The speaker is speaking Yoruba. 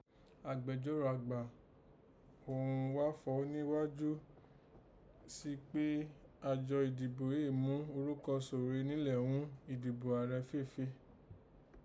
Agbẹjọ́rò àgbá ọ̀ghọ́n ghá fọ̀ọ́ nighaju si kpe àjò ìdìbò èé mú orúkọ Ṣòwòrẹ́ nílé ghún ìdìbò ààrẹ féèfé